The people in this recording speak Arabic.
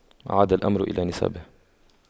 عاد الأمر إلى نصابه